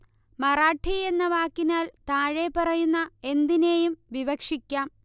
മറാഠി എന്ന വാക്കിനാൽ താഴെപ്പറയുന്ന എന്തിനേയും വിവക്ഷിക്കാം